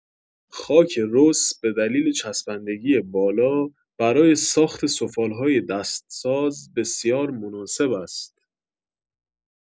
خاک رس به دلیل چسبندگی بالا، برای ساخت سفال‌های دستساز بسیار مناسب است.